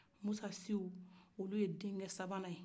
musa siw olu ye den cɛ sabanan ye